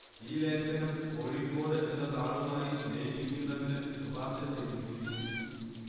ഈ ലേഖനം കോഴിക്കോട് എന്ന താളുമായി ലയിപ്പിക്കുന്നതിന് ശുപാർശ ചെയ്തിരിക്കുന്നു